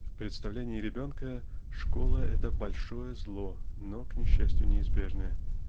В представлении ребенка школа -- это большое зло но к несчастью неизбежное.